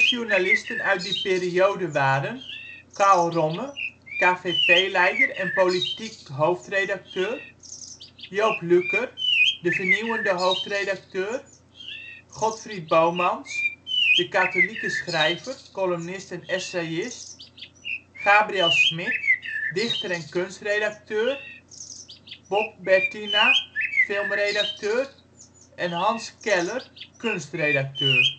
journalisten uit die periode waren de Carl Romme, KVP-leider en politiek hoofdredacteur Joop Lücker, de vernieuwende hoofdredacteur Godfried Bomans, de katholieke schrijver, columnist en essayist, Gabriël Smit, dichter en kunstredacteur Bob Bertina, filmredacteur Hans Keller, kunstredacteur